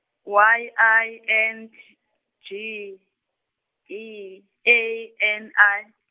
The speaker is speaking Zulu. Y I N , G, E, A N I.